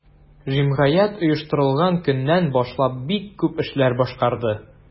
Җәмгыять оештырылган көннән башлап бик күп эшләр башкарды.